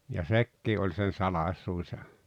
ja sekin oli sen salaisuus ja